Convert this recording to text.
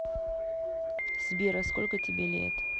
сбер а сколько тебе лет